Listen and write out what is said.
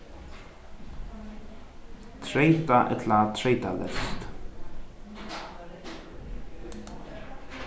treytað ella treytaleyst